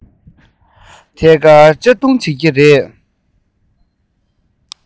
ཐད ཀར གཅར རྡུང བྱེད ཀྱི རེད